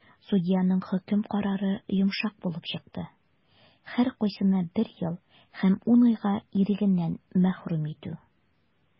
Судьяның хөкем карары йомшак булып чыкты - һәркайсына бер ел һәм 10 айга ирегеннән мәхрүм итү.